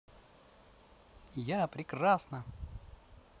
я прекрасно